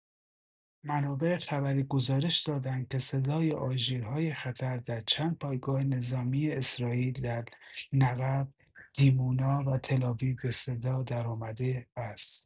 منابع خبری گزارش دادند که صدای آژیرهای خطر در چند پایگاه نظامی اسرائیل در «النقب»، «دیمونا» و تل‌آویو به صدا درآمده است.